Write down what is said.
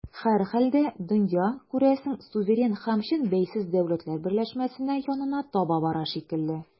Һәрхәлдә, дөнья, күрәсең, суверен һәм чын бәйсез дәүләтләр берләшмәсенә янына таба бара шикелле.